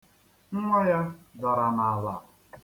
Nnwa ya dara n'ala.